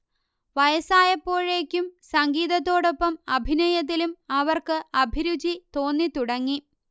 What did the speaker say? വയസ്സായപ്പോഴേയ്ക്കും സംഗീതത്തോടോപ്പം അഭിനയത്തിലും അവർക്ക് അഭിരുചി തോന്നിത്തുടങ്ങി